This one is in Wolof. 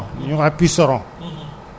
kootoot bi mooy biy dugg si ñebe bi